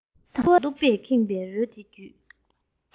ལྕི བ དང སྟུག པས ཁེངས པའི རོལ དེ བརྒྱུད